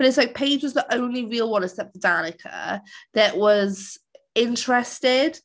But it's like Paige was the only real one except for Danica that was interested.